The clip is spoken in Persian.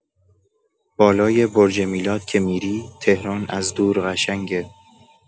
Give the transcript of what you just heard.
بالای برج میلاد که می‌ری، تهران از دور قشنگه.